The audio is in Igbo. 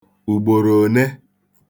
ùgbòrò òne